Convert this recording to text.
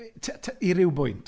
T- t- i ryw bwynt.